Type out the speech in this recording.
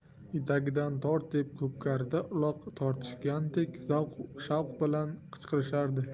etagidan tort deb ko'pkarida uloq tortishgandek zavq shavq bilan qichqirishardi